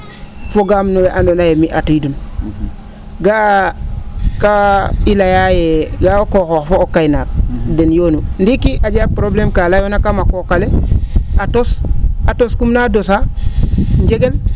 fogaam no wee andoona yee mi atiidun ga'a kaa i layaa ye ga'a o qooxoox fo o kaynaak den yoonu ndiiki a jega probleme kaa layoona kam a qooq ale a tos a tos kum na dosaa njegel